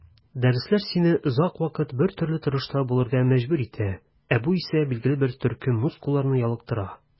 Дәресләр сине озак вакыт бертөрле торышта булырга мәҗбүр итә, ә бу исә билгеле бер төркем мускулларны ялыктыра.